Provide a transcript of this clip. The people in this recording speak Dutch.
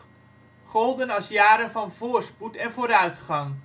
golden als jaren van voorspoed en vooruitgang